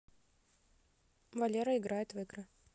валера играет в игры